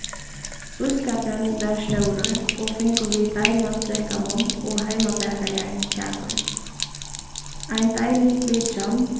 blíðskapurin var stórur og fingu vit deiligan drekkamunn og heimabakaðar kakur ein deilig vitjan